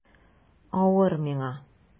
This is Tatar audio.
Авыр миңа...